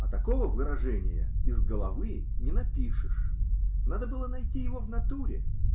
А такого выражения "из головы" не напишешь. Надо было найти его в натуре.